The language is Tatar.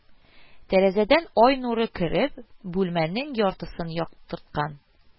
Тәрәзәдән ай нуры кереп, бүлмәнең яртысын яктырткан